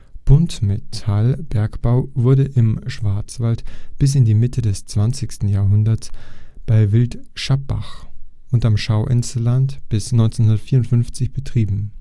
Buntmetallbergbau wurde im Schwarzwald bis in die Mitte des 20. Jahrhunderts bei Wildschapbach und am Schauinsland (bis 1954) betrieben